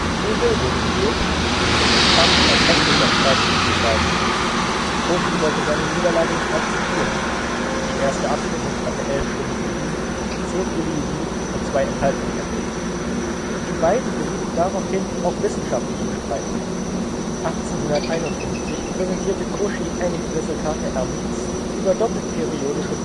Liouville wurde gewählt, und es entspann sich ein hässlicher Streit zwischen den beiden. Cauchy wollte seine Niederlage nicht akzeptieren (die erste Abstimmung hatte elf Stimmen für ihn, zehn für Liouville und zwei Enthaltungen ergeben). Die beiden gerieten daraufhin auch wissenschaftlich in Streit: 1851 präsentierte Cauchy einige Resultate Hermites über doppeltperiodische